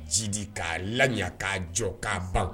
Jigi k'a laya kaa jɔ k'a ban